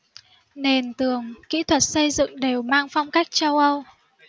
nền tường kĩ thuật xây dựng đều mang phong cách châu âu